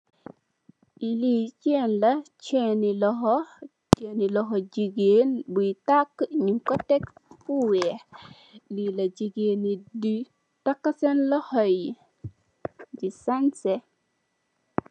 Ii ceen la, ceenu loxo, ceenu loxo jigéen buy takkë ñung ko tek fu weex. Lii la jigéen, yi di takkë si seen loxo yi di sanse.